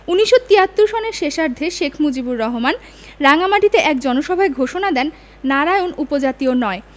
১৯৭৩ সনের শেষার্ধে শেখ মুজিবুর রহমান রাঙামাটিতে এক জনসভায় ঘোষণা দেন নারায়ণ উপজাতীয় নয়